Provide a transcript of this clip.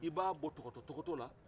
i b'a bɔ tɔgɔtɔgɔ la